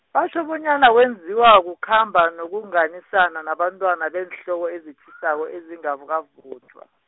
batjho bonyana wenziwa kukhamba, nokunganisana nabantwana beenhloko ezitjhisako ezingakavuthwa.